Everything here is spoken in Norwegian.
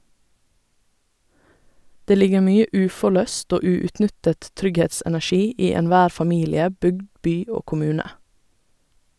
Det ligger mye uforløst og uutnyttet trygghetsenergi i enhver familie, bygd , by og kommune.